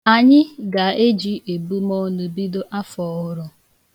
Anyị ga-eji ebumọnụ bido afọ ọhụrụ.